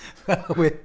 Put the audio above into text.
Fel whip.